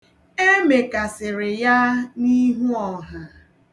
E mekasịrị ya n'ihu ọha.